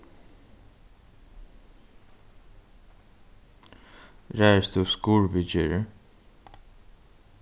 ræðist tú skurðviðgerðir